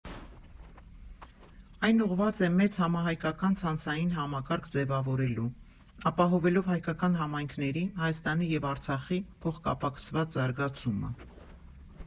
Այն ուղղված է մեծ համահայկական ցանցային համակարգ ձևավորելու՝ ապահովելով հայկական համայնքների, Հայաստանի և Արցախի փոխկապակցված զարգացումը։